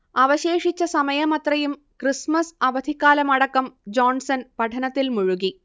അവശേഷിച്ച സമയമത്രയും ക്രിസ്മസ് അവധിക്കാലമടക്കം ജോൺസൺ പഠനത്തിൽ മുഴുകി